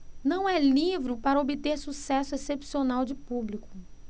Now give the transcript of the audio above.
não é livro para obter sucesso excepcional de público